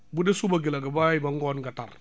bu dee suba gi la nga bàyyi ba ngoon nga tar